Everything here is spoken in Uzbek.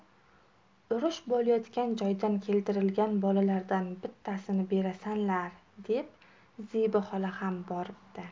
urush bo'layotgan joydan keltirilgan bolalardan bittasini berasanlar deb zebi xola ham boribdi